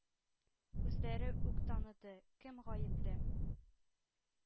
Үзләре үк таныды. кем гаепле?